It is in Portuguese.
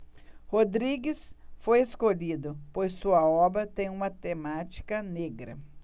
rodrigues foi escolhido pois sua obra tem uma temática negra